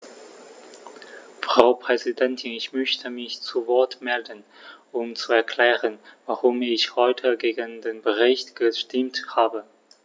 Frau Präsidentin, ich möchte mich zu Wort melden, um zu erklären, warum ich heute gegen den Bericht gestimmt habe.